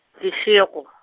Seshego .